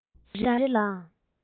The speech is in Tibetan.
དེ དག རེ རེ ལའང